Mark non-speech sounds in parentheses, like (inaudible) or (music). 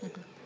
(hesitation) (hesitation)